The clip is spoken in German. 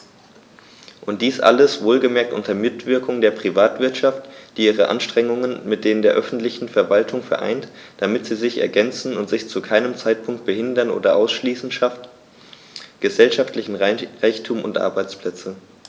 Und dies alles - wohlgemerkt unter Mitwirkung der Privatwirtschaft, die ihre Anstrengungen mit denen der öffentlichen Verwaltungen vereint, damit sie sich ergänzen und sich zu keinem Zeitpunkt behindern oder ausschließen schafft gesellschaftlichen Reichtum und Arbeitsplätze.